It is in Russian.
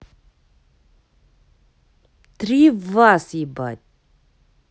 три вас ебать